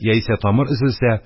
Яисә тамыр өзелсә,